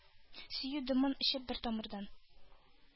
Сөю дымын эчеп бер тамырдан,